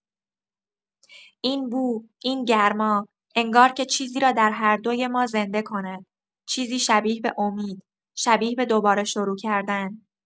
این بو، این گرما، انگار که چیزی را در هر دوی ما زنده کند؛ چیزی شبیه به امید، شبیه به دوباره شروع‌کردن.